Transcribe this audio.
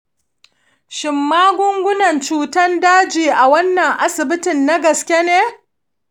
shin magungunan cutar daji a wannan asibitin na gaske ne?